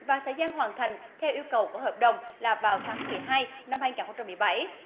và thời gian hoàn thành theo yêu cầu của hợp đồng là vào tháng mười hai năm hai ngàn không trăm mười bảy